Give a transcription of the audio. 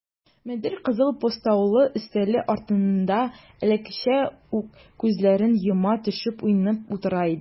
Мөдир кызыл постаулы өстәле артында элеккечә үк күзләрен йома төшеп уйланып утыра иде.